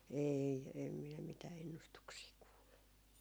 ei en minä mitään ennustuksia kuullut